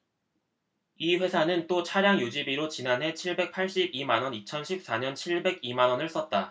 이 회사는 또 차량유지비로 지난해 칠백 팔십 이 만원 이천 십 사 년 칠백 이 만원을 썼다